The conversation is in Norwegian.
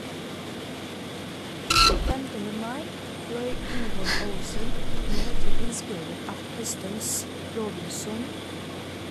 15. mai fløy Yvonne Olsen ned til innspilling av høstens "Robinson".